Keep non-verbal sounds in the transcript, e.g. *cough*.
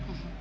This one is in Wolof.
*hesitation* *hesitation*